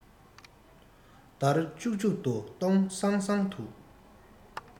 འདར ལྕུག ལྕུག ཏུ སྟོང སང སང དུ